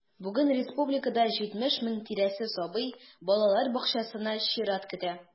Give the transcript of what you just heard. Бүген республикада 70 мең тирәсе сабый балалар бакчасына чират көтә.